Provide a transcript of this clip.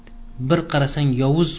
bir qarasang yovuz